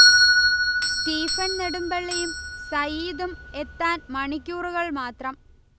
Stephen നെടുമ്ബളളിയും സയീദും എത്താൻ മണിക്കൂറുകൾ മാത്രം